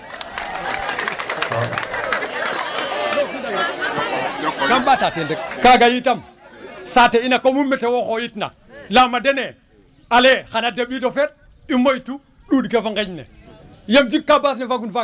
Kaam ɓaata teen rek kaaga yitam saate in a koom alu météo xoyitna layaam a dene a layaam a dene ale xan a deɓiid o feet u moytu ɗud ke fo nqeñ ne yeem jika baas ne fagun faak.